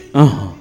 Ɔn